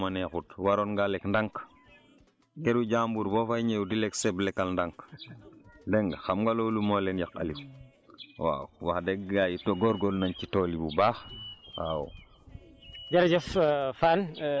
waaye ni nga nekkee sëb yi fii mooma neexut waroon ngaa lekk ndànk këru jàmbur boo fay ñëw di lekk sën lekkal ndànk dégg nga xam nga loolu moo leen yàq Aliou waaw wax dëgg gaa yi te góorgóorlu nañ ci tool yi bu baax waaw